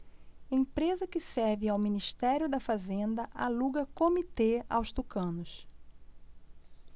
empresa que serve ao ministério da fazenda aluga comitê aos tucanos